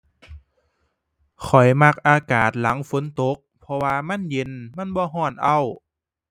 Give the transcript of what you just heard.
ข้อยมักอากาศหลังฝนตก เพราะว่ามันเย็น มันบ่ร้อนอ้าว